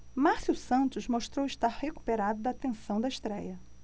márcio santos mostrou estar recuperado da tensão da estréia